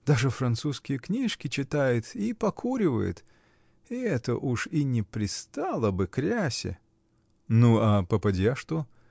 Даже французские книжки читает и покуривает — это уж и не пристало бы к рясе. — Ну а попадья что?